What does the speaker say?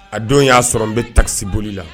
A don y'a sɔrɔ n bɛ tasi boli la